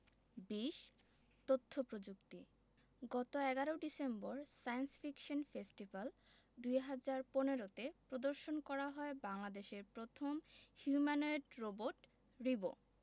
২০ তথ্য প্রযুক্তি গত ১১ ডিসেম্বর সায়েন্স ফিকশন ফেস্টিভ্যাল ২০১৫ তে প্রদর্শন করা হয় বাংলাদেশের প্রথম হিউম্যানোয়েড রোবট রিবো